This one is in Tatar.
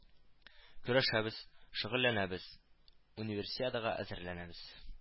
Көрәшәбез, шөгыльләнәбез, Универсиадага әзерләнәбез